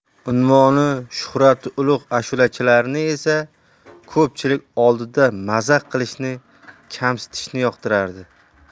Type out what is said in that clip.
unvoni shuhrati ulug' ashulachilarni esa ko'pchilik oldida mazax qilishni kamsitishni yoqtirardi